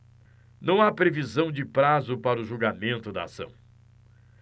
não há previsão de prazo para o julgamento da ação